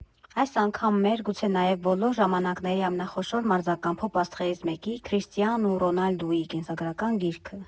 Այս անգամ՝ մեր (գուցե նաև բոլոր) ժամանակների ամենախոշոր մարզական փոփ֊աստղերից մեկի՝ Քրիշտիանու Ռոնալդուի կենսագրական գիրքը։